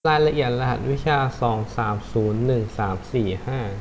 รายละเอียดรหัสวิชาสองสามศูนย์หนึ่งสามสี่ห้า